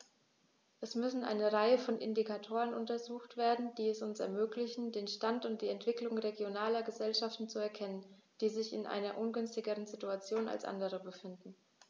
Es müssen eine Reihe von Indikatoren untersucht werden, die es uns ermöglichen, den Stand und die Entwicklung regionaler Gesellschaften zu erkennen, die sich in einer ungünstigeren Situation als andere befinden.